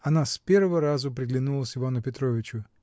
Она с первого разу приглянулась Ивану Петровичу